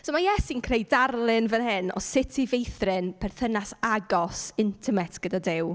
So ma' Iesu'n creu darlun fan hyn o sut i feithrin perthynas agos, intimate gyda Duw.